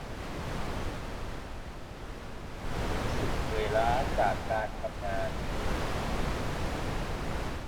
รู้สึกเหนื่อยล้าจากการทำงาน